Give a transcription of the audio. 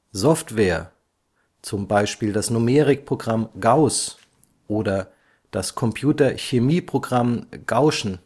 Software das Numerikprogramm GAUSS das Computerchemieprogramm GAUSSIAN